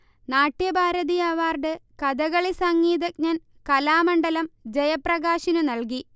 Natyabharati award Kathakali സംഗീതജ്ഞൻ കലാമണ്ഡലം ജയപ്രകാശിന് നൽകി